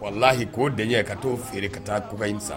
Wala' k'o denkɛ ye ka t'o feere ka taa koba in san